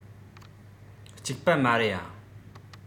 ཅིག པ མ རེད ཨ